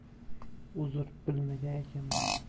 uzr bilmagan ekanman